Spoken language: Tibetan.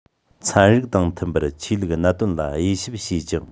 ཚན རིག དང མཐུན པར ཆོས ལུགས གནད དོན ལ དབྱེ ཞིབ བྱེད ཅིང